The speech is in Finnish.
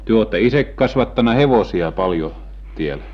te olette itse kasvattanut hevosia paljon täällä